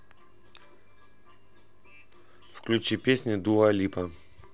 включи песни дуа липа